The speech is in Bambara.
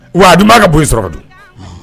Wa a dun b'a ka bo in sɔrɔ ka dun ɔnhɔn